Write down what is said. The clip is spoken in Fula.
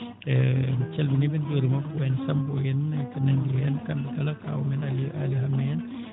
en calminii ɓe en njuuriima ɓe ko wayi no Sambo en e ko nanndi heen kamɓe kala Kaawu men Aly Hammet en